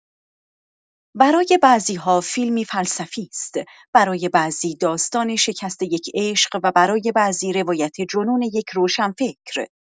برای بعضی‌ها فیلمی فلسفی است، برای بعضی داستان شکست یک عشق، و برای بعضی روایت جنون یک روشنفکر.